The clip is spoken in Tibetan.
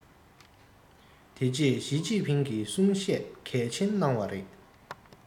དེ རྗེས ཞིས ཅིན ཕིང གིས གསུང བཤད གལ ཆེན གནང བ རེད